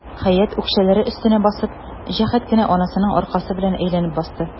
Хәят, үкчәләре өстенә басып, җәһәт кенә анасына аркасы белән әйләнеп басты.